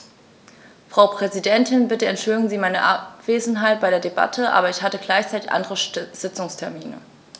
Frau Präsidentin, bitte entschuldigen Sie meine Abwesenheit bei der Debatte, aber ich hatte gleichzeitig andere Sitzungstermine.